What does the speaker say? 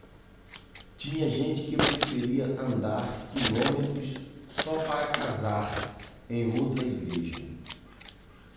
tinha gente que preferia andar quilômetros só para casar em outra igreja